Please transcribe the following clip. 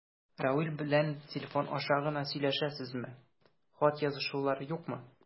Равил белән телефон аша гына сөйләшәсезме, хат язышулар юкмы?